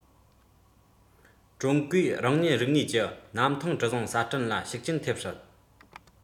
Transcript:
ཀྲུང གོས རང ཉིད རིག གནས ཀྱི གནམ ཐང གྲུ གཟིངས གསར སྐྲུན ལ ཤུགས རྐྱེན ཐེབས སྲིད